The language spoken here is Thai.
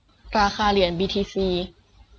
ราคาเหรียญบีทีซี